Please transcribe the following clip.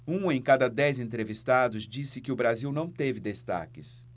um em cada dez entrevistados disse que o brasil não teve destaques